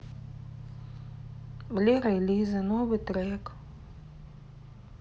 лера и лиза новый трек